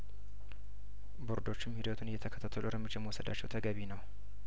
ቦርዶችም ሂደቱን እየተከታተሉ እርምጃ መውሰዳቸው ተገቢ ነው